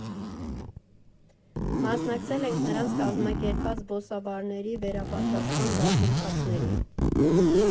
Մասնակցել ենք նրանց կազմակերպած զբոսավարների վերապատրաստման դասընթացներին։